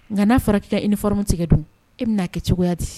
Nka n'a fɔra k'i ka uniforme tigɛ dun e bɛna n'a kɛ cogoya di.